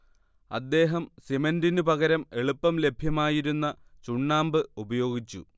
അദ്ദേഹം സിമന്റിനു പകരം എളുപ്പം ലഭ്യമായിരുന്ന ചുണ്ണാമ്പ് ഉപയോഗിച്ചു